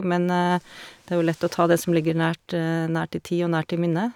Men det er jo lett å ta det som ligger nært nært i tid og nært i minnet.